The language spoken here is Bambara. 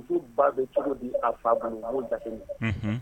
Ba bɛ cogo di a fa bolo' ja ye